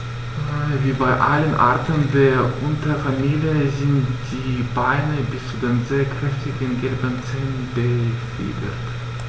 Wie bei allen Arten der Unterfamilie sind die Beine bis zu den sehr kräftigen gelben Zehen befiedert.